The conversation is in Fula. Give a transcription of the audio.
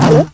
alo